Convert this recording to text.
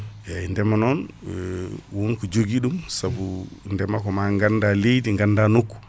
eyyi ndema non wonko joogui ɗum ndema ko ganda leydi ganda nokku